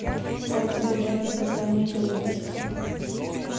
как избежать наказание за убийство